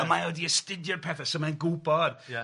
...a mae o wedi astudio'r pethe so mae'n gwybod... Ia.